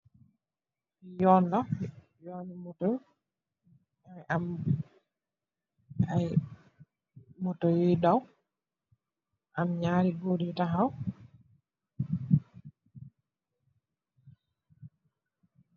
Yoon la, yoon i motto, mu Ang am ay motto yuy daw, am ñarri goor yu taxaw.